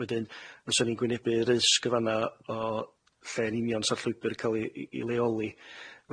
Wedyn fysan ni'n gwynebu'r risg yn fan'na o lle'n union 'sa'r llwybyr ca'l i i i' leoli.